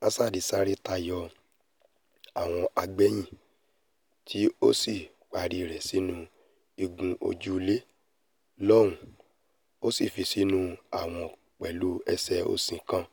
Hazard sáré tayọ àwọn agbéyìn tí o sì pari rẹ̀ sínú igun ojúlé lọ́ọ̀hún ó sì fi sínú àwọ̀n pẹ̀lú ẹsẹ̀ òsì kan